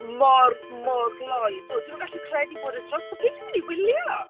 Mor, mor glou, yndo. Dwi'm yn gallu credu bod e drosodd. Be dwi'n mynd i wylio?